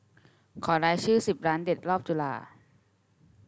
ขอรายชื่อสิบร้านเด็ดรอบจุฬา